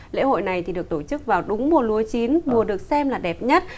lễ hội này thì được tổ chức vào đúng mùa lúa chín mùa được xem là đẹp nhất